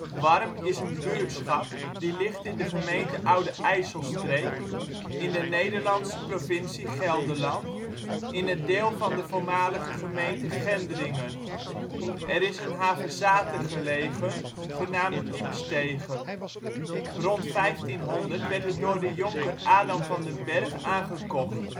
Warm is een buurtschap die ligt in de gemeente Oude IJsselstreek in de Nederlandse provincie Gelderland, in het deel van de voormalige gemeente Gendringen. Er is een havezathe gelegen, genaamd Diepstege. Rond 1500 werd het door de jonker Adam van den Bergh aangekocht